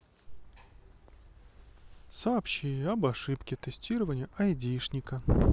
сообщи об ошибке тестирования айдишника